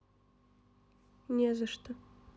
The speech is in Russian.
не за что